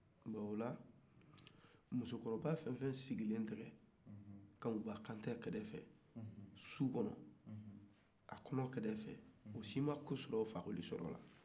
bon ola muso kɔrɔba fɛn o fɛn sigilen dun bɛ kankuba kante kɛrɛfɛ sugukɔnɔ olu sii ma bɔ fakoli sɔrɔtuma kalama